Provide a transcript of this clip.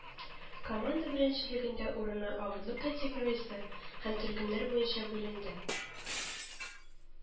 Команда беренчелегендә урыннар авырлык категориясе һәм төркемнәр буенча бүленде